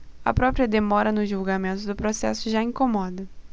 a própria demora no julgamento do processo já incomoda